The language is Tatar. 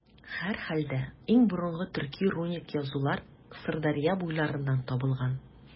Һәрхәлдә, иң борынгы төрки руник язулар Сырдәрья буйларыннан табылган.